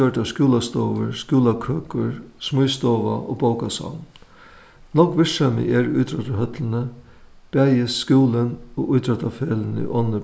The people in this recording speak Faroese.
gjørdar skúlastovur skúlakøkur smíðstova og bókasavn nógv virksemi er í ítróttahøllini bæði skúlin og ítróttafeløgini og onnur